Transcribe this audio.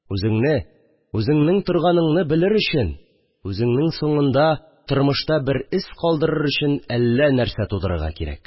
Үзеңне, үзеңнең торганыңны белер өчен, үзеңнең соңында тормышта бер эз калдырыр өчен әллә нәрсә тудырырга кирәк